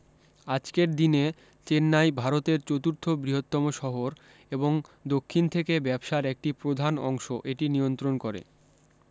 আজকের দিনে চেন্নাই ভারতের চতুর্থ বৃহত্তম শহর এবং দক্ষিণ থেকে ব্যবসার একটি প্রধান অংশ এটি নিয়ন্ত্রণ করে